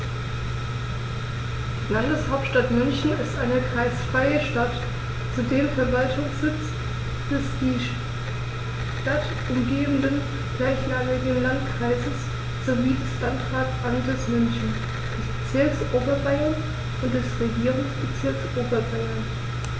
Die Landeshauptstadt München ist eine kreisfreie Stadt, zudem Verwaltungssitz des die Stadt umgebenden gleichnamigen Landkreises sowie des Landratsamtes München, des Bezirks Oberbayern und des Regierungsbezirks Oberbayern.